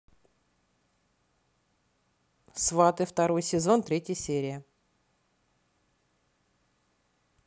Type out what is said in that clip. сваты второй сезон третья серия